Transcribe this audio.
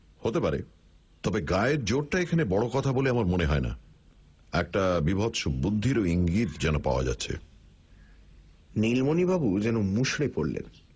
হতে পারে তবে গায়ের জোরটা এখানে বড় কথা বলে আমার মনে হয় না একটা বীভৎস বুদ্ধিরও ইঙ্গিত যেন পাওয়া যাচ্ছে নীলমণিবাবু যেন মুষড়ে পড়লেন